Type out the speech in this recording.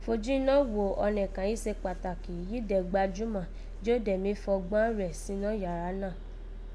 Fojú inọ́ wò ọnẹ kàn yìí se kpàtàkì yìí dẹ̀ gbajúmà, jí ó dẹ̀ mí fọgbán rẹ̀n sínọ́ yàrá náà